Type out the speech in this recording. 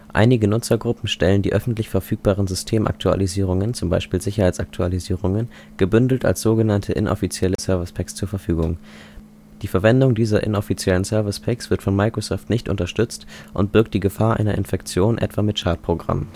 Einige Nutzergruppen stellen die öffentlich verfügbaren Systemaktualisierungen (z. B. Sicherheitsaktualisierungen) gebündelt als sogenannte inoffizielle Service Packs zur Verfügung. Die Verwendung dieser inoffiziellen Service Packs wird von Microsoft nicht unterstützt und birgt die Gefahr einer Infektion, etwa mit Schadprogrammen